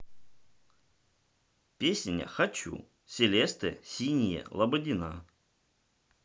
песня хочу celeste синие лободина